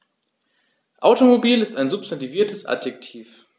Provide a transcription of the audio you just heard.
Automobil ist ein substantiviertes Adjektiv.